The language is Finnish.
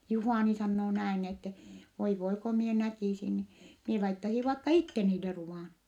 Juhani sanoo näin että voi voi kun minä näkisin niin minä laittaisin vaikka itse niille ruoan